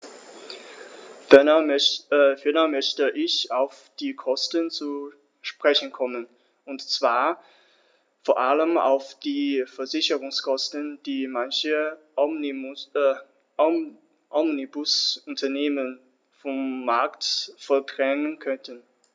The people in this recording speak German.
Ferner möchte ich auf die Kosten zu sprechen kommen, und zwar vor allem auf die Versicherungskosten, die manche Omnibusunternehmen vom Markt verdrängen könnten.